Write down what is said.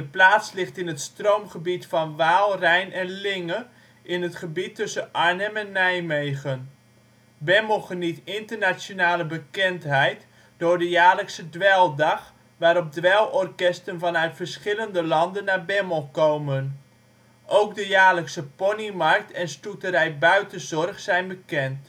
plaats ligt in het stroomgebied van Waal, Rijn en Linge, in het gebied tussen Arnhem en Nijmegen. Bemmel geniet internationale bekendheid door de jaarlijkse dweildag, waarop dweilorkesten vanuit verschillende landen naar Bemmel komen. Ook de jaarlijkse ponymarkt en Stoeterij Buitenzorg zijn